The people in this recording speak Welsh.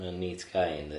Mae o'n neet kai yndi.